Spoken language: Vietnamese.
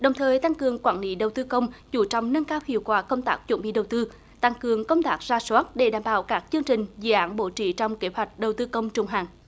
đồng thời tăng cường quản lý đầu tư công chú trọng nâng cao hiệu quả công tác chuẩn bị đầu tư tăng cường công tác rà soát để đảm bảo các chương trình dự án bố trí trong kế hoạch đầu tư công trung hạn